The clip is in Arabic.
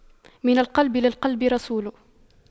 من القلب للقلب رسول